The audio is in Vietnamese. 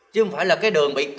chứ không phải là cái đường bị